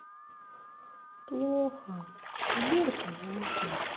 плохо сбер плохо